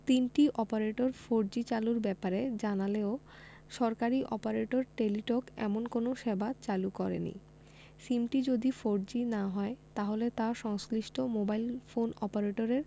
তিনটি operator four G চালুর ব্যাপারে জানালেও সরকারি অপারেটর টেলিটক এমন কোনো সেবা চালু করেনি সিমটি যদি ফোরজি না হয় তাহলে তা সংশ্লিষ্ট মোবাইল ফোন অপারেটরের